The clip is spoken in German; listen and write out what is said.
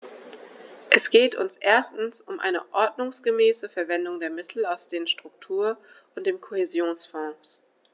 Es geht uns erstens um eine ordnungsgemäße Verwendung der Mittel aus den Struktur- und dem Kohäsionsfonds.